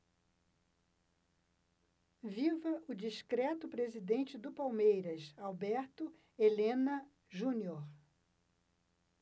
viva o discreto presidente do palmeiras alberto helena junior